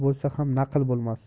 bo'lsa ham naql bo'lmas